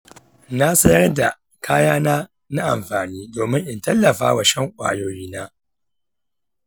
na sayar da kayana na amfani domin in tallafa wa shan ƙwayoyi na.